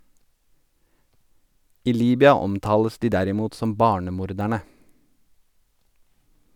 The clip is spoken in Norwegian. I Libya omtales de derimot som «barnemorderne».